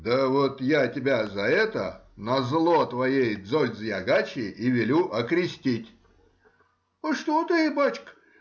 — Да вот я тебя за это, назло твоей Дзол-Дзаягачи, и велю окрестить. — Что ты, бачка?